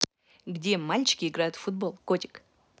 где мальчики играют в футбол котик